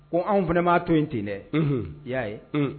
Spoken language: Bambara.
Ko anw fana maa to in ten dɛ y'a ye